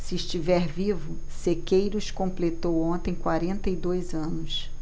se estiver vivo sequeiros completou ontem quarenta e dois anos